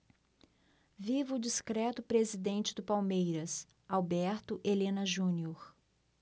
viva o discreto presidente do palmeiras alberto helena junior